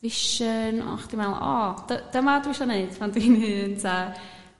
vision o chdi me'l o dy- dyma dwi sio 'neud pan dwi'n hŷn ta